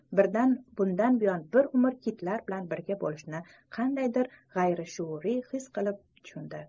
birdan bundan buyon bir umr kitlar bilan birga bo'lishini qandaydir g'ayrishuuriy his bilan tushundi